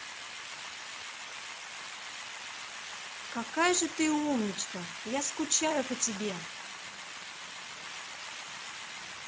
какая же ты умничка я скучаю по тебе